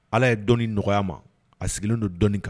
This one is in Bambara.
Ala ye dɔn nɔgɔya ma a sigilen don dɔni kan